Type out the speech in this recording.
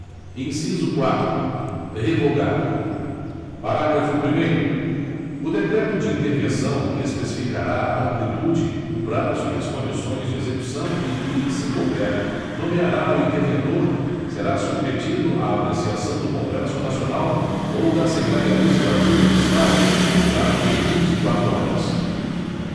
inciso quatro revogado parágrafo primeiro o decreto de intervenção que especificará a amplitude o prazo e as condições de execução e que se couber nomeará o interventor será submetido à apreciação do congresso nacional ou da assembléia legislativa do estado no prazo de vinte e quatro horas